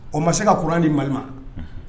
O ma se kauran ni mali